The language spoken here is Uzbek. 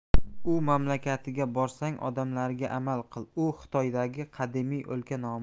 u mamlakatiga borsang odatlariga amal qil u xitoydagi qadimiy o'lka nomi